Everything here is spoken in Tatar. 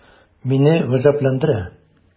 Мине гаҗәпләндерә: